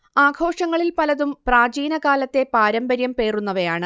ആഘോഷങ്ങളിൽ പലതും പ്രാചീനകാലത്തെ പാരമ്പര്യം പേറുന്നവയാണ്